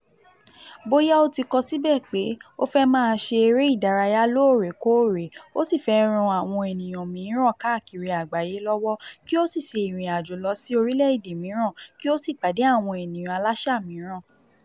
Bóyá o ti kọ síbẹ̀ pé o fẹ́ máa ṣe eré ìdárayá lóòrèkóòrè, o sì fẹ́ ran àwọn ènìyàn mìíràn káàkiri àgbáyé lọ́wọ́, kí o sì ṣe ìrìn àjò lọ sí orílẹ̀ èdè mìíràn, kí o sì pàdé àwọn ènìyàn Aláṣà mìíràn.